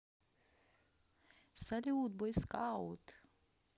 салют бойскаут